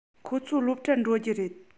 ཁོ ཚོ སློབ གྲྭར འགྲོ རྒྱུ རེད